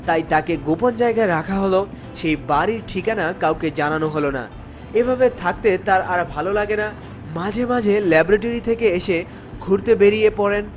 জায়গায় রাখা হলো সেই বাড়ির ঠিকানা কাউকে জানানো হলো না এভাবে থাকতে তার আর ভালো লাগে না মাঝে মাঝে ল্যাবরেটরী থেকে এসে ঘুরতে বেরিয়ে পরেন